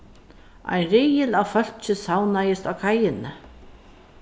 ein riðil av fólki savnaðist á kaiini